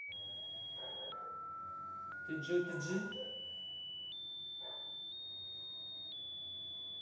ты джой ты g